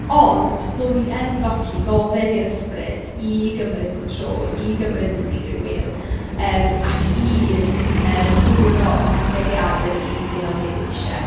Ond bo' ni yn golli gofyn i'r ysbryd i gymryd control i gymryd y steering wheel yym ac i yy gwyro ein dyheadau ni i be ma' Duw isie.